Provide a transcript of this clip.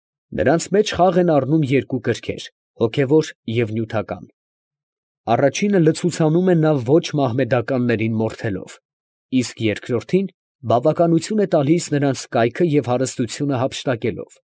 Նրանց մեջ խաղ են առնում երկու կրքեր՝ հոգևոր և նյութական, առաջինը լցուցանում է նա ոչմահմեդականներին մորթելով, իսկ երկրորդին բավականություն է տալիս նրանց կայքը և հարստությունը հափշտակելով։